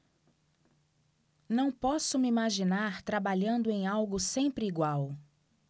não posso me imaginar trabalhando em algo sempre igual